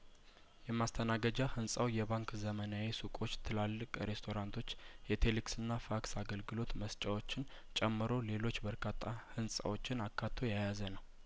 የማስተናገጃ ህንጻው የባንክ ዘመናዊ ሱቆች ትላልቅ ሬስቶራንቶች የቴሌ ክስና ፋክስ አገልግሎት መስጫዎችን ጨምሮ ሌሎች በርካታ ህንጻዎችን አካቶ የያዘ ነው